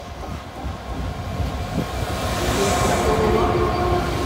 ปิดประตูรถ